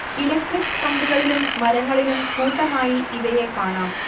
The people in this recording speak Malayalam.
ഇലക്ട്രിക് കമ്പികളിലും മരങ്ങളിലും കൂട്ടമായി ഇവയെ കാണാം